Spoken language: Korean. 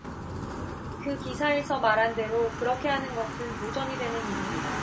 그 기사에서 말한 대로 그렇게 하는 것은 도전이 되는 일입니다